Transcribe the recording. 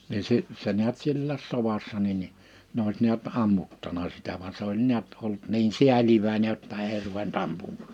niin - se näet sielläkin sodassa niin niin ne olisi näet ammuttanut sitä vaan se oli näet ollut niin sääliväinen jotta ei ruvennut ampumaan